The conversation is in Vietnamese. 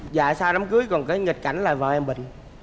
dạ sau đám cưới còn cái nghịch cảnh là vợ em bệnh